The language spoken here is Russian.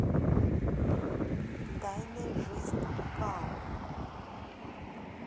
тайная жизнь коал